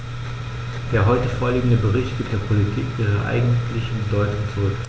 Der heute vorliegende Bericht gibt der Politik ihre eigentliche Bedeutung zurück.